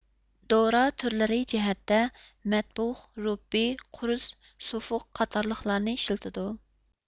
دورا تۈرلىرى جەھەتتە مەتبۇخ رۇببى قۇرس سۇفۇف قاتارلىقلارنى ئىشلىتىدۇ